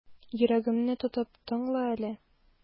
Йөрәгемне тотып тыңла әле.